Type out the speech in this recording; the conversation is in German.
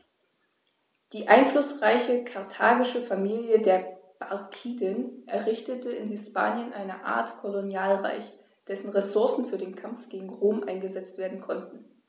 Die einflussreiche karthagische Familie der Barkiden errichtete in Hispanien eine Art Kolonialreich, dessen Ressourcen für den Kampf gegen Rom eingesetzt werden konnten.